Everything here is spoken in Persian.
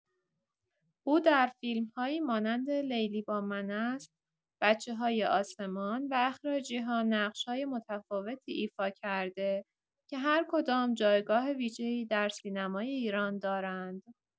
او در فیلم‌هایی مانند لیلی با من است، بچه‌های آسمان و اخراجی‌ها نقش‌های متفاوتی ایفا کرده که هرکدام جایگاه ویژه‌ای در سینمای ایران دارند.